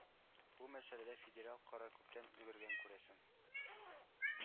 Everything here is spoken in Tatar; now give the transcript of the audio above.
Бу мәсьәләдә федераль карар күптән өлгергән, күрәсең”.